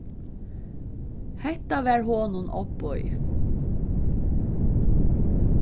hetta var honum ovboðið